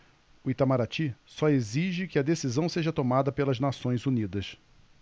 o itamaraty só exige que a decisão seja tomada pelas nações unidas